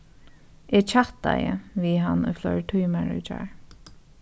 eg kjattaði við hann í fleiri tímar í gjár